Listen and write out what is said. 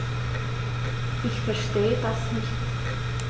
Ich verstehe das nicht.